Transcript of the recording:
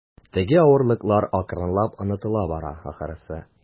Теге авырлыклар акрынлап онытыла бара, ахрысы.